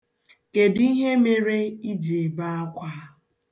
Kedụ ihe mere iji ebe akwa?